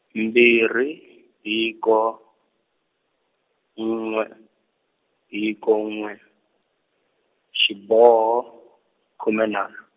mbirhi, hiko, n'we, hiko n'we, xiboho, khume nharhu.